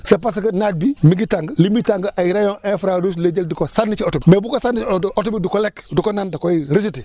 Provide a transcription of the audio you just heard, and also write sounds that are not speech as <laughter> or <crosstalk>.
c' est parce que naaj bi mi ngi tàng li muy tàng ay rayons infra rouge lay jël di ko sànni ci oto bi mais :frabu ko sànnee <hesitation> oto bi du ko lekk du ko naan da koy rejetter